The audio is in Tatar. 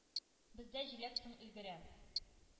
“бездә җиләк соң өлгерә.